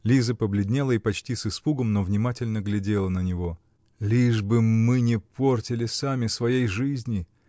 Лиза побледнела и почти с испугом, но внимательно глядела на него), лишь бы мы не портили сами своей жизни.